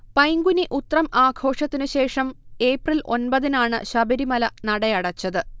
പൈങ്കുനി ഉത്രം ആഘോഷത്തിനുശേഷം ഏപ്രിൽ ഒൻപതിനാണ് ശബരിമല നടയടച്ചത്